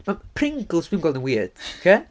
Ma' Pringles dwi'n gweld yn weird ocê.